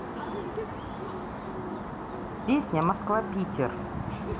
песня москва питер